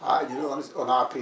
ah ñun de on on a appris